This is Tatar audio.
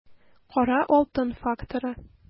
Кара алтын факторы